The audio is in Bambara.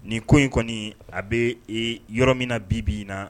Nin ko in kɔni a bɛ yɔrɔ min na bi bi in na